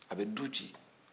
a bɛ du ci